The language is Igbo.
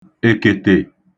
èkètè